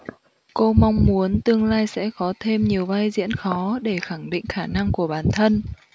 cô mong muốn tương lai sẽ có thêm nhiều vai diễn khó để khẳng định khả năng của bản thân